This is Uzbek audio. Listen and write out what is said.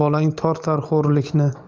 bolang tortar xo'rlikni